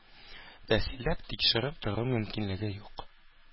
Тәфсилләп тикшереп тору мөмкинлеге юк